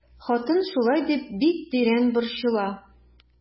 Хатын шулай дип бик тирән борчыла.